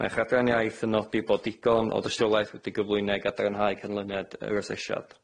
Mae'r chadran iaith yn nodi bod digon o dystiolaeth wedi gyflwyno i gadarnhau cynlyniad yr asesiad.